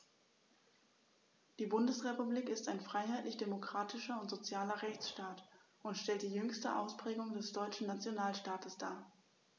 Die Bundesrepublik ist ein freiheitlich-demokratischer und sozialer Rechtsstaat und stellt die jüngste Ausprägung des deutschen Nationalstaates dar.